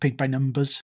Paint by numbers.